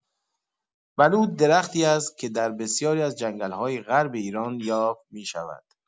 بلوط درختی است که در بسیاری از جنگل‌های غرب ایران یافت می‌شود.